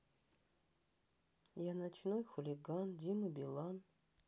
я ночной хулиган дима билан